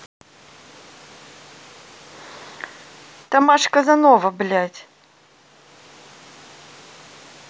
тамаш казанова блядь